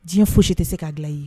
Diɲɛ foyisi tɛ se k'a dilan i ye